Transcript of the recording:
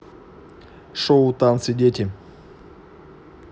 шоу танцы дети